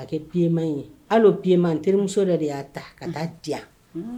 A kɛ pieds ma in ye al'o pieds ma n terimuso dɔ de y'a ta ka t'aa diyan unhun